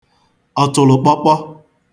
ọ̀tụ̀lụ̀kpọkpọ